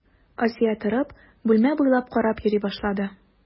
Асия торып, бүлмә буйлап карап йөри башлады.